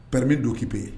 Preme don kkiipi yen